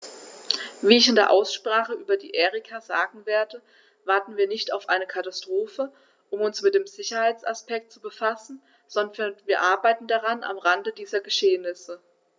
Wie ich in der Aussprache über die Erika sagen werde, warten wir nicht auf eine Katastrophe, um uns mit dem Sicherheitsaspekt zu befassen, sondern wir arbeiten daran am Rande dieser Geschehnisse.